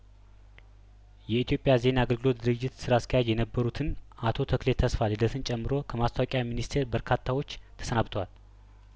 የኢትዮጵያ ዜና አገልግሎት ድርጅት ስራ አስኪያጅ የነበሩትን አቶ ተክሌ ተስፋ ልደትን ጨምሮ ከማስታወቂያ ሚኒስቴር በርካታዎች ተሰናብተዋል